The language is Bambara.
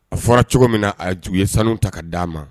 A fɔra cogo min na a ye juguya ye sanu ta' d'a ma